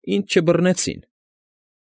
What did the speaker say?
Ինձ չբռնեցին։